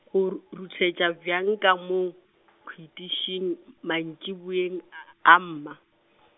o r-, ruthetša bjang ka moo , khwitising- m- mantšiboeng, a mma .